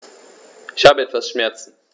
Ich habe etwas Schmerzen.